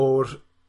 o'r